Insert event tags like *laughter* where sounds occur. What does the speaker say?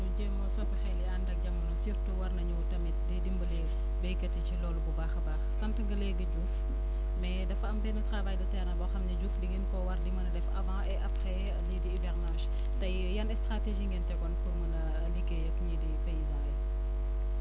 ñu jéem a soppi xel yi ànd ak jamono surtout war nañoo tamit di dimbale béykat yi ci loolu bu baax a baax sant nga léegi Diouf mais dafa am benn travail de terrain boo xam ne Diouf di ngeen ko war di mën a def avant et après lii di hivernage *breath* tey yan stratégies ngeen tegoon pour mun a liggéey ak ñii di paysans yi